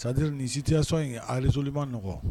Sadiri ni si tɛya sɔn in zliba nɔgɔɔgɔ